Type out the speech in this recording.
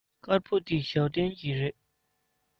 དཀར པོ འདི ཞའོ ཏོན གྱི རེད